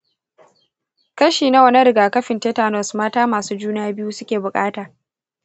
kashi nawa na rigakafin tetanus mata masu juna biyu suke buƙata?